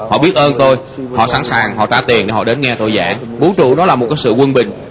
họ biết ơn tôi họ sẵn sàng họ trả tiền họ đến nghe tôi giảng vũ trụ đó là một sự quân bình